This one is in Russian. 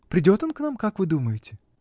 -- Придет он к нам, как вы думаете?